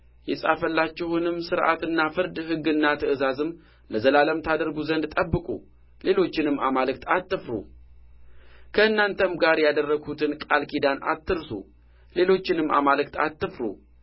የጻፈላችሁንም ሥርዓትና ፍርድ ሕግና ትእዛዝም ለዘላለም ታደርጉ ዘንድ ጠብቁ ሌሎችንም አማልክት አትፍሩ ከእናንተም ጋር ያደረግሁትን ቃል ኪዳን አትርሱ ሌሎችንም አማልክት አትፍሩ